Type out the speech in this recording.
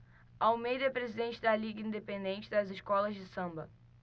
almeida é presidente da liga independente das escolas de samba